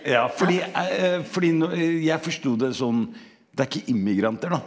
ja fordi fordi når jeg forstod det sånn, det er ikke immigranter da?